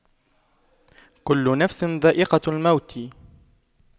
كُلُّ نَفسٍ ذَائِقَةُ المَوتِ